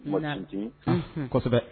kosɛbɛ